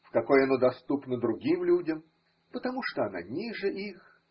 в какой оно доступно другим людям, потому что она ниже их.